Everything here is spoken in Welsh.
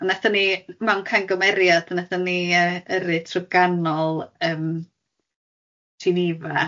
A wnaethon ni mewn cangymeriad, wnaethon ni yy yrru trwy ganol yym Geneva.